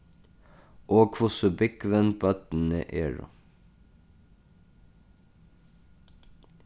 og hvussu búgvin børnini eru